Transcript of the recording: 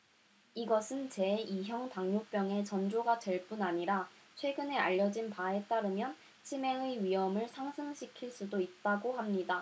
이것은 제 이 형 당뇨병의 전조가 될 뿐 아니라 최근에 알려진 바에 따르면 치매의 위험을 상승시킬 수도 있다고 합니다